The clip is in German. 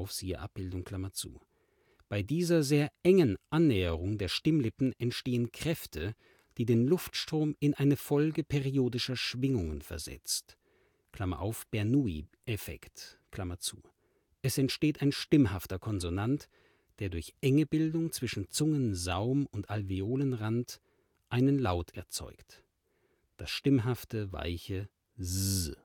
siehe Abbildung). Bei dieser sehr engen Annäherung der Stimmlippen entstehen Kräfte, die den Luftstrom in eine Folge periodischer Schwingungen versetzt (Bernoulli-Effekt). Es entsteht ein stimmhafter Konsonant, der durch Engebildung zwischen Zungensaum und Alveolenrand einen Laut erzeugt: das stimmhafte (weiche) s